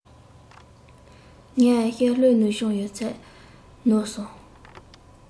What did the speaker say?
ངས ཤར ལྷོ ནུབ བྱང ཡོད ཚད ནོར སོང